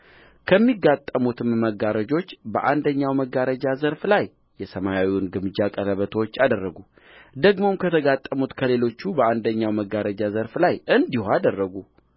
ከሚጋጠሙትም መጋረጆች በአንደኛው መጋረጃ ዘርፍ ላይ የሰማያዊውን ግምጃ ቀለበቶች አደረጉ ደግሞ ከተጋጠሙት ከሌሎቹ በአንደኛው መጋረጃ ዘርፍ ላይ እንዲሁ አደረጉ